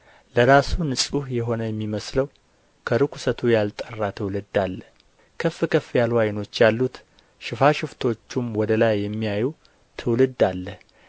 ለራሱ ንጹሕ የሆነ የሚመስለው ከርኵሰቱ ያልጠራ ትውልድ አለ ከፍ ከፍ ያሉ ዓይኖች ያሉት ሽፋሽፍቶቹም ወደ ላይ የሚያዩ ትውልድ አለ